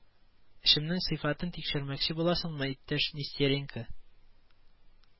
Эшемнең сыйфатын тикшермәкче буласыңмы, иптәш Нестеренко